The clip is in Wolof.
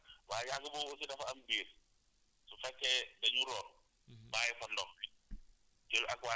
waaw ndox mi mën na yàgg ndox mi mën na yàgg waaye yàgg boobu aussi dafa am diir su fekkee dañu root